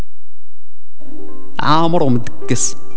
عامر